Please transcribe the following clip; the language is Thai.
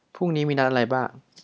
พรุ่งนี้มีนัดอะไรบ้าง